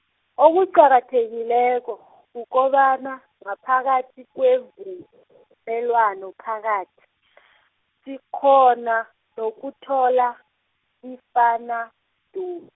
okuqakathekileko , kukobana, ngaphakathi kwevumelwano phakathi , sikghona, nokuthola, ifana du-.